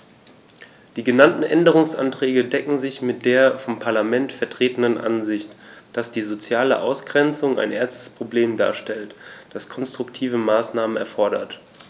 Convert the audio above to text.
Die genannten Änderungsanträge decken sich mit der vom Parlament vertretenen Ansicht, dass die soziale Ausgrenzung ein ernstes Problem darstellt, das konstruktive Maßnahmen erfordert.